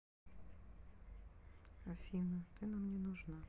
афина ты нам не нужна